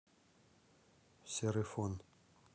серый фон